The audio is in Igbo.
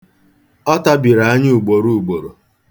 Ọ tabiri anya ugboro ugboro.